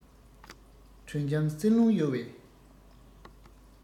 དྲོད འཇམ བསིལ རླུང གཡོ བའི